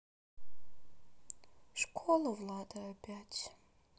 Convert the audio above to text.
школа влада опять